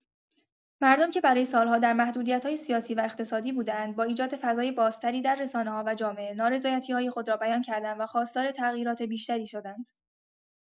مردم که برای سال‌ها در محدودیت‌های سیاسی و اقتصادی بوده‌اند، با ایجاد فضای بازتری در رسانه‌ها و جامعه، نارضایتی‌های خود را بیان کردند و خواستار تغییرات بیشتری شدند.